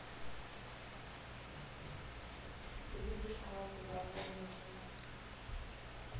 ты видишь мое приложение звук